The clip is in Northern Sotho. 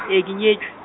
e ke nye- .